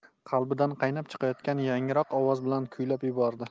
qalbidan qaynab chiqayotgan yangroq ovoz bilan kuylab yubordi